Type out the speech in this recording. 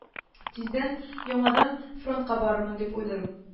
Тиздән яңадан фронтка барырмын дип уйлыйм